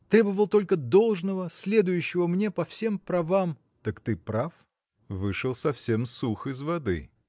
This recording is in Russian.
требовал только должного, следующего мне по всем правам. – Так ты прав? Вышел совсем сух из воды.